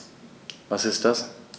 Was ist das?